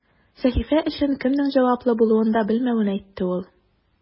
Сәхифә өчен кемнең җаваплы булуын да белмәвен әйтте ул.